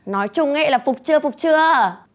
nói chung ý là phục chưa phục chưa